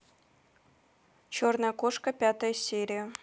черная кошка пятая серия